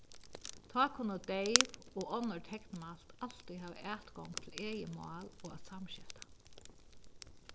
tá kunnu deyv og onnur teknmælt altíð hava atgongd til egið mál og at samskifta